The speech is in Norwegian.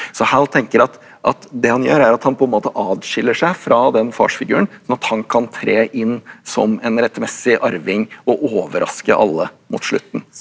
så Hal tenker at at det han gjør er at han på en måte adskiller seg fra den farsfiguren sånn at han kan tre inn som en rettmessig arving og overraske alle mot slutten.